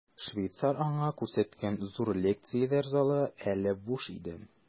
Швейцар аңа күрсәткән зур лекцияләр залы әле буш иде.